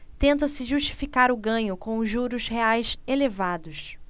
tenta-se justificar o ganho com os juros reais elevados